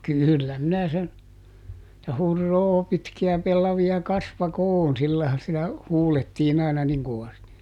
kyllä minä sen että huroo pitkiä pellavia kasvakoon sillä laillahan sitä huudettiin aina niin kovasti